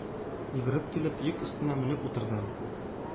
Йөгереп килеп, йөк өстенә менеп утырды.